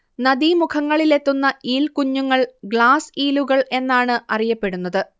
നദീമുഖങ്ങളിലെത്തുന്ന ഈൽക്കുഞ്ഞുങ്ങൾ ഗ്ലാസ് ഈലുകൾ എന്നാണ് അറിയപ്പെടുന്നത്